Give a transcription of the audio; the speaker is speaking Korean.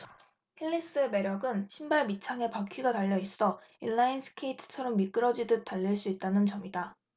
힐리스의 매력은 신발 밑창에 바퀴가 달려 있어 인라인스케이트처럼 미끄러지듯 달릴 수 있다는 점이다